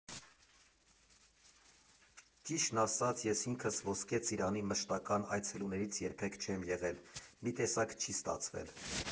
Ճիշտն ասած, ես ինքս Ոսկե Ծիրանի մշտական այցելուներից երբեք չեմ եղել, մի տեսակ չի ստացվել։